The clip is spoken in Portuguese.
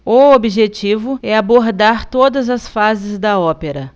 o objetivo é abordar todas as fases da ópera